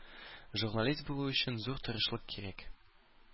Журналист булу өчен зур тырышлык кирәк.